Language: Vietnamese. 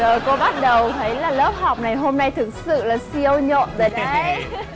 rồi cô bắt đầu thấy là lớp học ngày hôm nay thực sự là siêu nhộn rồi đấy